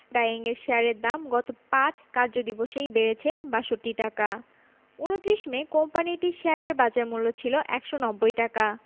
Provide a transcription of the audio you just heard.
ডায়িংয়ের শেয়ারের দাম গত ৫ কার্যদিবসেই বেড়েছে ৬২ টাকা ২৯ মে কোম্পানিটির শেয়ারের বাজারমূল্য ছিল ১৯০ টাকা